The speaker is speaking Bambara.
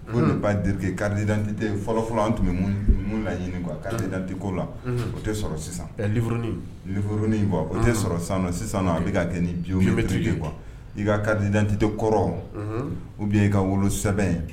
Ko de badi kadidte fɔlɔfɔlɔ tun bɛ minnu la ɲini kuwa kadidteko la o tɛ sɔrɔ sisan fr frin o tɛ sɔrɔ sisan sisan an bɛ kɛ kuwa i ka kadidtete kɔrɔ u bi ka wolo sɛbɛn ye